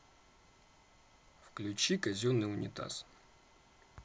включи казенный унитаз